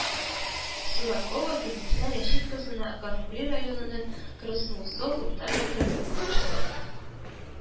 СУРАКОВА Гөлниса Рәшит кызына, Гафури районының Красноусол урта мәктәбе укытучысы